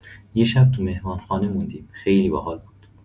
یه شب تو مهمانخانه موندیم، خیلی باحال بود.